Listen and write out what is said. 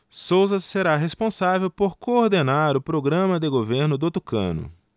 souza será responsável por coordenar o programa de governo do tucano